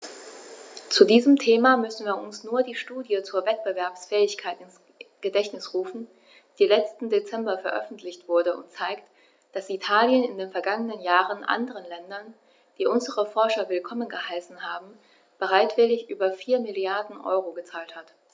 Zu diesem Thema müssen wir uns nur die Studie zur Wettbewerbsfähigkeit ins Gedächtnis rufen, die letzten Dezember veröffentlicht wurde und zeigt, dass Italien in den vergangenen Jahren anderen Ländern, die unsere Forscher willkommen geheißen haben, bereitwillig über 4 Mrd. EUR gezahlt hat.